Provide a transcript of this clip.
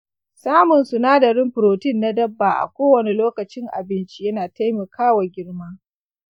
samun sunadarin protein na dabba a kowane lokacin abinci yana taimaka wa girma.